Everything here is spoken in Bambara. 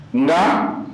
Na